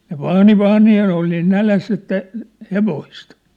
ne vaani vaani ja ne oli niin nälässä että hevosta